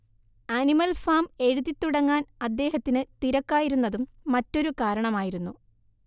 animal Farm എഴുതിത്തുടങ്ങാൻ അദ്ദേഹത്തിന് തിരക്കായിരുന്നതും മറ്റൊരു കാരണമായിരുന്നു